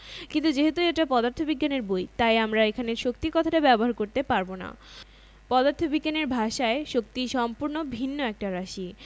এখানে আমাদের বল কথাটাই ব্যবহার করতে হবে কিন্তু বল মানে কী আমরা তো এখন পর্যন্ত বলের কোনো সংজ্ঞা দিইনি